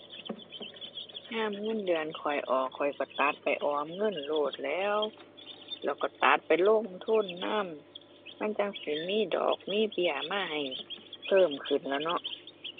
ยามเงินเดือนข้อยออก ข้อยก็ตัดไปออมเงินโลดแหล้ว แล้วก็ตัดไปลงทุนนำ มันจั่งสิมีดอกมีเบี้ยมาให้เพิ่มขึ้นล่ะเนาะ